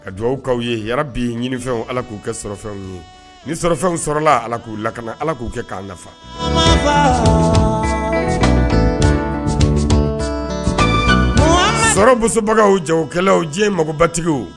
Ka dugawukawaw ye hɛrɛ bi ɲinifɛnw ala k'u kɛ sɔrɔfɛnw ni sɔrɔfɛnw sɔrɔlala ala k'u lak ala k'u kɛ k' la sɔrɔ musobagaw jakɛlaw diɲɛ mago batigi